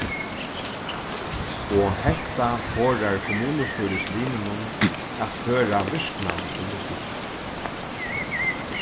og hetta forðar kommunustýrislimunum at føra virknan politikk